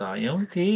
Da iawn ti.